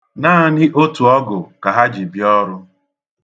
Naanị otu ọgụ ka ha ji bịa ọrụ.